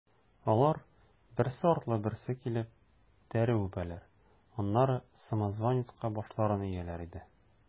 Алар, берсе артлы берсе килеп, тәре үбәләр, аннары самозванецка башларын ияләр иде.